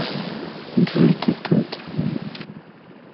джой ты тут